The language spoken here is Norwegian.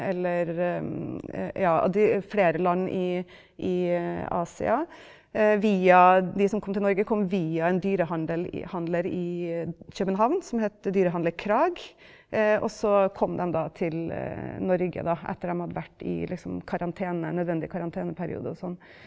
eller ja de flere land i i Asia, via de som kom til Norge kom via en dyrehandel handler i København som het dyrehandler Krag, også kom dem da til Norge da etter dem hadde vært i liksom karantene nødvendig karanteneperiode og sånn.